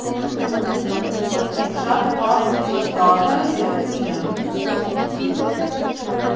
Շատ պարզ՝ Ծ տառ և ծիրան։